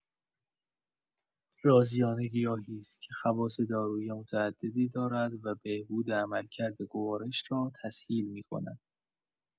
رازیانه گیاهی است که خواص دارویی متعددی دارد و بهبود عملکرد گوارش را تسهیل می‌کند.